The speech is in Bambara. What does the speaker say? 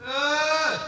H